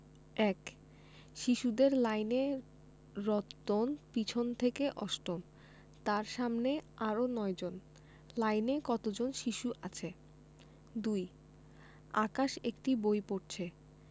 ১ শিশুদের লাইনে রতন পিছন থেকে অষ্টম তার সামনে আরও ৯ জন লাইনে কত জন শিশু আছে ২ আকাশ একটি বই পড়ছে